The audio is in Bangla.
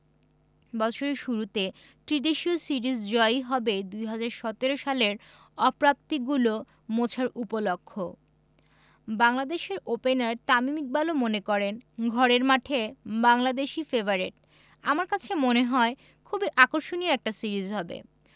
বছরের শুরুতে ত্রিদেশীয় সিরিজ জয়ই হবে ২০১৭ সালের অপ্রাপ্তিগুলো মোছার উপলক্ষও বাংলাদেশের ওপেনার তামিম ইকবালও মনে করেন ঘরের মাঠে বাংলাদেশই ফেবারিট আমার কাছে মনে হয় খুবই আকর্ষণীয় একটা সিরিজ হবে